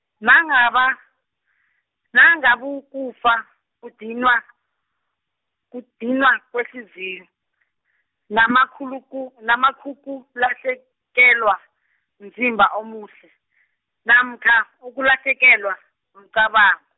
nangaba-, nangabukufa kudinwa, kudinwa kwehliziyo, namakhuluku- namkhukulahlekelwa, mzimba omuhle, namkha ukulahlekelwa, mcaba-.